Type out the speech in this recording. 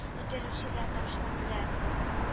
Үтерүчегә ташланды